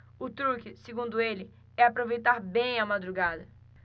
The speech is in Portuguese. o truque segundo ele é aproveitar bem a madrugada